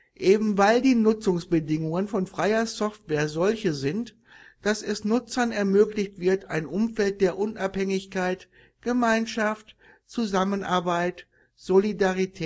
eben weil die Nutzungsbedingungen von Freier Software solche sind, dass es Nutzern ermöglicht wird ein Umfeld der Unabhängigkeit, Gemeinschaft, Zusammenarbeit, Solidarität